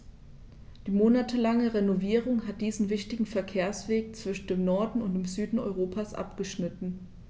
Die monatelange Renovierung hat diesen wichtigen Verkehrsweg zwischen dem Norden und dem Süden Europas abgeschnitten.